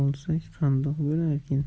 olsak qandoq bo'larkin